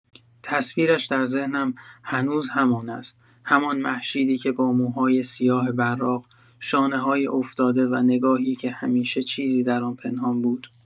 تصویرش در ذهنم هنوز همان است، همان مهشیدی که با موهای سیاه براق، شانه‌های افتاده و نگاهی که همیشه چیزی در آن پنهان بود.